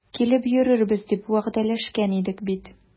Килеп йөрербез дип вәгъдәләшкән идек бит.